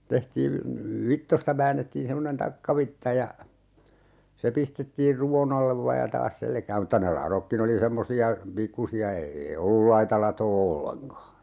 tehtiin vitsoista väännettiin semmoinen takkavitsa ja se pistettiin ruvon alle vain ja taas selkään mutta ne ladotkin oli semmoisia pikkuisia ei ollut laita latoa ollenkaan